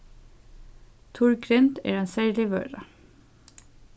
turr grind er ein serlig vøra